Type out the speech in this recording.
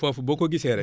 foofu boo ko gisee rekk